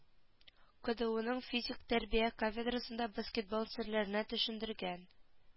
Кдуның физик тәрбия кафедрасында баскетбол серләренә төшендергән